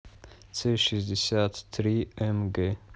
цэ шестьдесят три эм гэ